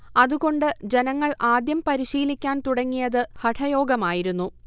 അതുകൊണ്ട് ജനങ്ങൾ ആദ്യം പരിശീലിക്കാൻ തുടങ്ങിയത് ഹഠയോഗമായിരുന്നു